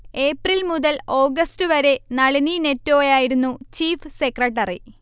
ഏപ്രിൽമുതൽ ഓഗസ്റ്റ്വരെ നളിനി നെറ്റോയായിരുന്നു chief secretary